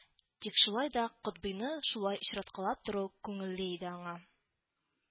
Тик шулай да Котбыйны шулай очраткалап тору күңелле иде аңа